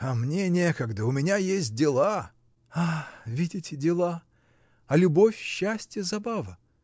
А мне некогда, у меня есть дела. — А, видите, дела? А любовь, счастье — забава?